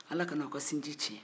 ala kan'aw ka sinjin tiɲɛ